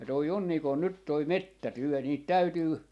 ja tuo on niin kuin nyt tuo metsätyö niitä täytyy